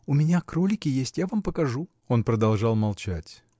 У меня кролики есть, я вам покажу! Он продолжал молчать.